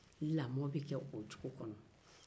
lamɔ be ke o cogo kɔnɔ